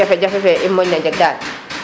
jafe jafe ke i moƴna njeg dal